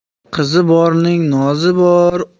qizi borning nozi